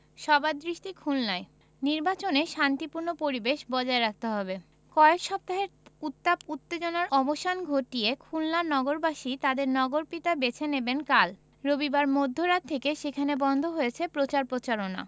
সবার দৃষ্টি খুলনায় নির্বাচনে শান্তিপূর্ণ পরিবেশ বজায় রাখতে হবে কয়েক সপ্তাহের উত্তাপ উত্তেজনার অবসান ঘটিয়ে খুলনা নগরবাসী তাঁদের নগরপিতা বেছে নেবেন কাল রবিবার মধ্যরাত থেকে সেখানে বন্ধ হয়েছে প্রচার প্রচারণা